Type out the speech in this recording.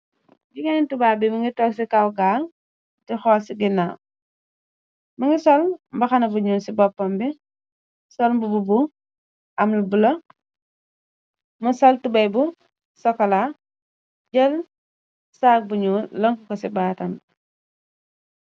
Jigéen bi tubaab bi mungi tog ci kaw gaall, di hool ci ganaaw. Mungi sol mbahana bu ñuul ci boppam bi, sol mbubu am lu bulo, mu sol tubeye bu sokola, jël sag bu ñuul lunk ko ci baatam bi.